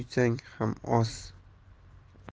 uysang ham oz